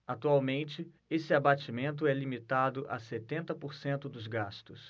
atualmente esse abatimento é limitado a setenta por cento dos gastos